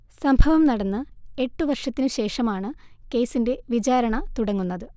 സംഭവം നടന്ന് എട്ടു വർഷത്തിനു ശേഷമാണു കേസിന്റെ വിചാരണ തുടങ്ങുന്നത്